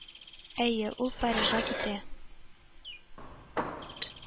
Әйе, ул Парижга китә